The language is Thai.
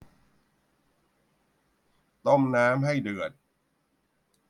ต้มน้ำให้เดือด